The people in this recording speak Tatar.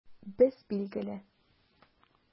Без, билгеле!